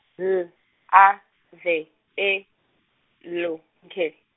L, A, ve, E, lo, nkhe.